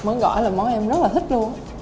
món gỏi là món em rất là thích luôn